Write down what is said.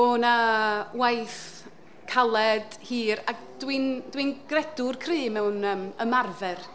Bod 'na waith caled, hir ac dwi'n dwi'n gredw'r cryf mewn yym ymarfer.